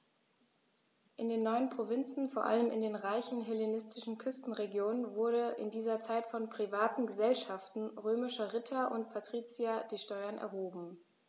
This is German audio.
In den neuen Provinzen, vor allem in den reichen hellenistischen Küstenregionen, wurden in dieser Zeit von privaten „Gesellschaften“ römischer Ritter und Patrizier die Steuern erhoben.